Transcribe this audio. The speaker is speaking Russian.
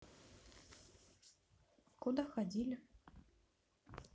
куда ходили